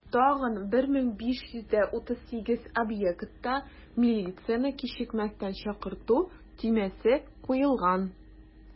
Тагын 1538 объектта милицияне кичекмәстән чакырту төймәсе куелган.